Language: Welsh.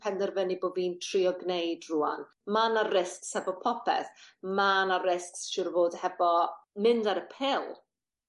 penderfynu bo' fi'n trio gwneud rŵan. Ma' 'na risgs efo popeth ma' 'na risgs siŵr o fod hefo mynd ar y pil.